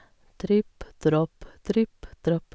Tripp trapp, tripp trapp.